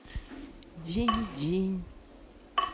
динь динь